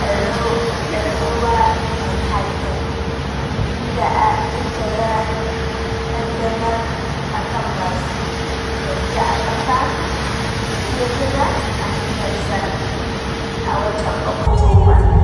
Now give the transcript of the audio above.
a Lower Manhattan, inda ya kaddamar akan masu tafiya a kafa da kekuna a hanyarsa a watan Oktoba.